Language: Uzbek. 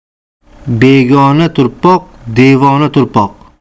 begona tuproq devona tuproq